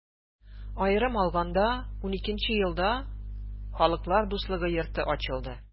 Аерым алаганда, 2012 нче елда Халыклар дуслыгы йорты ачылды.